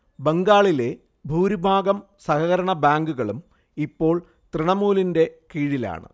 ബംഗാളിലെ ബഹുഭൂരിഭാഗം സഹകരണ ബാങ്കുകളും ഇപ്പോൾ തൃണമൂലിന്റെ കീഴിലാണ്